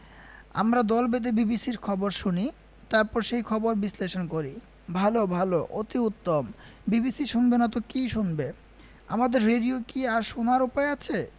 আমরা দল বেঁধে বিবিসির খবর শুনি তারপর সেই খবর বিশ্লেষণ করি ভাল ভাল অতি উত্তম বিবিসি শুনবেনা তো কি শুনবে ‘আমাদের রেডিও কি আর শোনার উপায় আছে